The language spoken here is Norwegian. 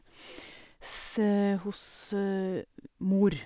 s Hos mor.